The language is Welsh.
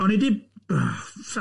O'n i 'di